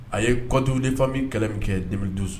A ye code de famille kɛlɛ min kɛ 2012